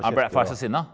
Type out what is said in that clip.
for det han er så sinna?